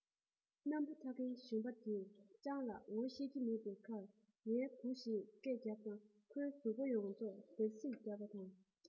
སྣམ སྤུ འཐགས མཁན གཞོན པ དེས སྤྱང ལགས ངོ ཤེས ཀྱི མེད པའི ཁར ངའི བུ ཞེས སྐད རྒྱབ ཙང ཁོའི གཟུགས པོ ཡོངས རྫོགས འདར གསིག རྒྱག པ དང